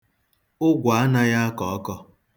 Ụgwọ anaghị akọ ọkọ.